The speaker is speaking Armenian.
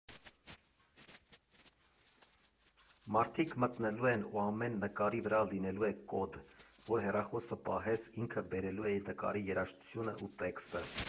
Մարդիկ մտնելու են ու ամեն նկարի վրա լինելու է կոդ, որ հեռախոսը պահես, ինքը բերելու է նկարի երաժշտությունը ու տեքստը։